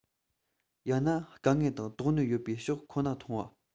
ཡང ན དཀའ ངལ དང དོགས གནད ཡོད པའི ཕྱོགས ཁོ ན མཐོང བ